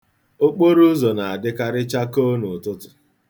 Okporo ụzọ na-adịkarị chakoo n'ụtụtụ.